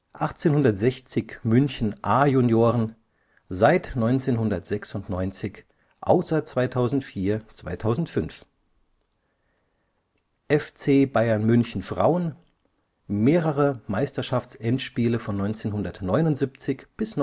1860 München A-Junioren: seit 1996, außer 2004/05 FC Bayern München Frauen: mehrere Meisterschaftsendspiele von 1979 bis